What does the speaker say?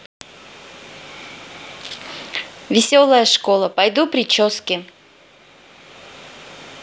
веселая школа пойду прически